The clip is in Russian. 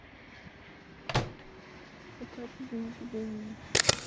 у кати день рождения